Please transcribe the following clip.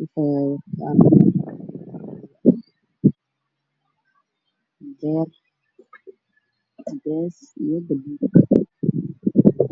mis ayaa horyaalo waxaa dul saaran buugaag